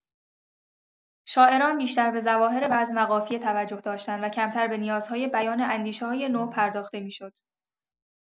شاعران بیشتر به ظواهر وزن و قافیه توجه داشتند و کمتر به نیازهای بیان اندیشه‌های نو پرداخته می‌شد.